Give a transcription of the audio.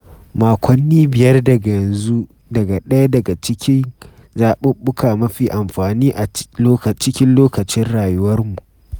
Makonni biyar daga yanzu daga ɗaya daga cikin zaɓuɓɓuka mafi amfani a cikin lokacin rayuwarmu.